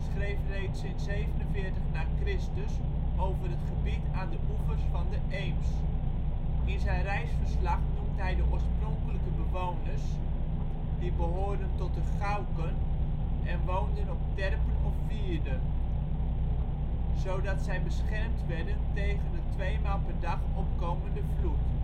schreef reeds in 47 na Christus over het gebied aan de oevers van de Eems. In zijn reisverslag noemt hij de oorspronkelijke bewoners, die behoorden tot de Chauken en woonden op terpen of wierden. Zodat zij beschermd werden tegen de tweemaal per dag opkomende vloed